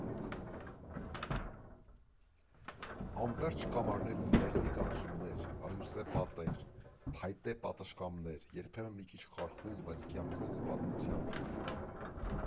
Անվերջ կամարներ ու նեղլիկ անցումներ, աղյուսե պատեր, փայտե պատշգամբներ, երբեմն մի քիչ խարխուլ, բայց կյանքով ու պատմությամբ լի։